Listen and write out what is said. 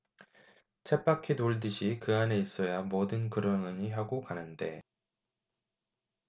쳇바퀴 돌 듯이 그 안에 있어야 뭐든 그러려니 하고 가는데